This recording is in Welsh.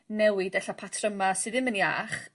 newid ella patryma sy ddim yn iach